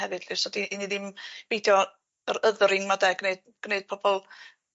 hefyd 'lly so 'dy- i ni ddim bidio yr othering 'ma 'de? Gneud gneud pobol